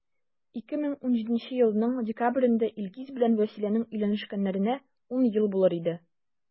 2017 елның декабрендә илгиз белән вәсиләнең өйләнешкәннәренә 10 ел булыр иде.